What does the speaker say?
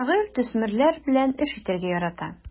Шагыйрь төсмерләр белән эш итәргә ярата.